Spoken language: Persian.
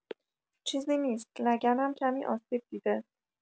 چیزی نیست لگنم کمی آسیب‌دیده!